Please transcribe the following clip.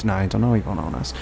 Na, I dunno i fod yn onest.